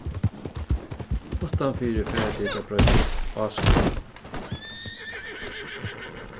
uttanfyri fara tit at broyta áskoðan